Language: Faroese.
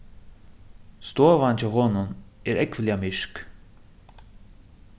stovan hjá honum er ógvuliga myrk